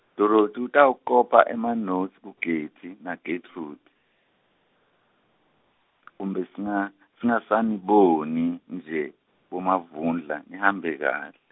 Dorothi utawukopa emanotsi kuGetty, naGetrude, kumbe singa- singasaniboni, nje boMavundla, nihambe kahl-.